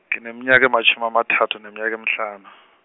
ngineminyaka ematjhumi amathathu neminyaka emihlanu.